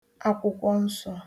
akwụkwọnsọ̄